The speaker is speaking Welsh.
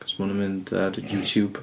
Achos mae hwn yn mynd ar YouTube.